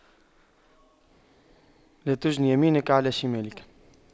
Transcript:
لا تجن يمينك على شمالك